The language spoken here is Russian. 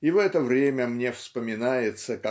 и в это время мне вспоминается